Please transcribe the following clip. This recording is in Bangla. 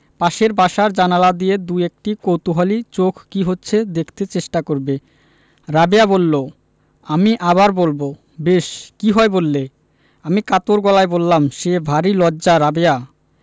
পাশের বাসার জানালা দিয়ে দুএকটি কৌতুহলী চোখ কি হচ্ছে দেখতে চেষ্টা করবে রাবেয়া বললো আমি আবার বলবো বেশ কি হয় বললে আমি কাতর গলায় বললাম সে ভারী লজ্জা রাবেয়া